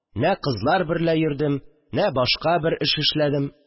Нә кызлар берлә йөрдем, нә башка бер эш эшләдем